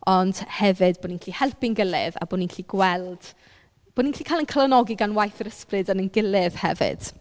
Ond hefyd bo' ni'n gallu helpu'n gilydd a bo' ni'n gallu gweld... bo' ni'n gallu cael ein calonogi gan waith yr ysbryd yn ein gilydd hefyd.